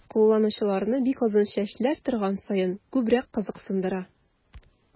Кулланучыларны бик озын чәчләр торган саен күбрәк кызыксындыра.